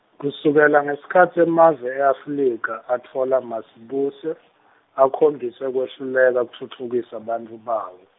kusukela ngesikhatsi emave e-Afrika, atfola mazibuse, akhombise kwehluleka kutfutfukisa bantfu bawo.